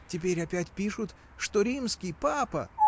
Теперь опять пишут, что римский папа.